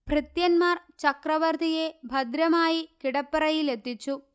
ഭൃത്യന്മാർ ചക്രവർത്തിയെ ഭദ്രമായി കിടപ്പറയിലെത്തിച്ചു